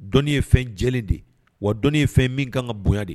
Dɔni ye fɛn jɛ de ye wa dɔn ye fɛn min ka kan ka bonya de